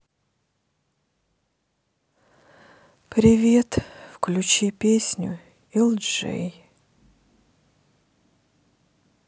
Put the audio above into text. привет включи песню элджей